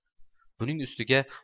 buning ustiga